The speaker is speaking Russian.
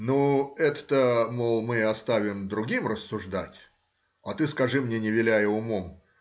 — Ну, это-то, мол, мы оставим другим рассуждать, а ты скажи мне, не виляя умом